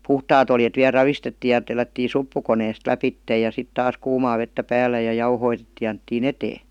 puhtaat oljet vielä ravistettiin ja tellättiin suppukoneesta lävitse ja sitten taas kuumaa vettä päällä ja jauhotettiin ja annettiin eteen